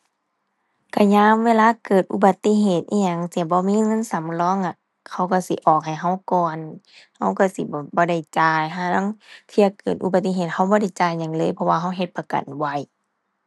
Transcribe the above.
ก็ยามเวลาเกิดอุบัติเหตุอิหยังที่บ่มีเงินสำรองอะ เขาก็สิออกให้ก็ก่อน ก็ก็สิแบบบ่ได้จ่าย ห่าลางเที่ยเกิดอุบัติเหตุก็บ่ได้จ่ายหยังเลย เพราะว่าก็เฮ็ดประกันไว้